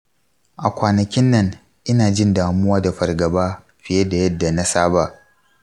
a kwanakin nan ina jin damuwa da fargaba fiye da yadda na saba.